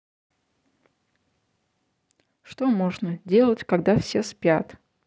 что можно делать когда все спят